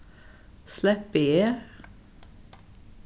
sleppi eg